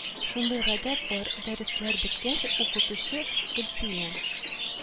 Шундый гадәт бар: дәресләр беткәч, укытучы гөлсинә